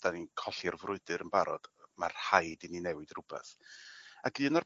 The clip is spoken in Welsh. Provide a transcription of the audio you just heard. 'dan ni'n colli'r frwydyr yn barod ma' rhaid i ni newid rwbeth. Ac un o'r